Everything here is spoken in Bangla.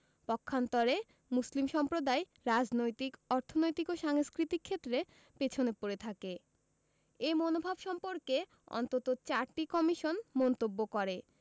পক্ষান্তরে মুসলিম সম্প্রদায় রাজনৈতিক অর্থনৈতিক ও সাংস্কৃতিক ক্ষেত্রে পেছনে পড়ে থাকে এ মনোভাব সম্পর্কে অন্তত চারটি কমিশন মন্তব্য করে